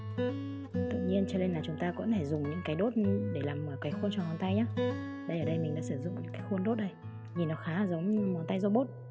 lung tung nên chúng ta cũng phải dùng các đốt để làm khung cho cái tay nhé đây ở đây khi mình sử dụng khung đốt thì nhìn khá giống như một cánh tay robot